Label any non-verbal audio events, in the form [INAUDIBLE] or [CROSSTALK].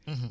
[HESITATION] [HESITATION]